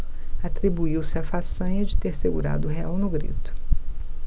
atribuiu-se a façanha de ter segurado o real no grito